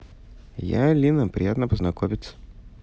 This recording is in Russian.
я алина приятно познакомиться